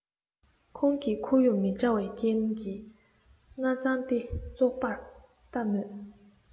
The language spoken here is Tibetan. ཁོང གི ཁོར ཡུག མི འདྲ བའི རྐྱེན གྱིས སྣ བཙང སྟེ བཙོག པར ལྟ མོད